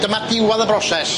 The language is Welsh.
Dyma diwadd y broses.